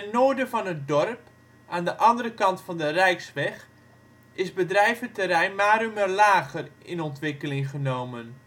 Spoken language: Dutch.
noorden van het dorp, aan de andere kant van de rijksweg, is bedrijventerrein Marumerlage in ontwikkeling genomen